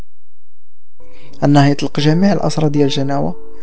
انه يطلق جميع العصر الذي الجناوي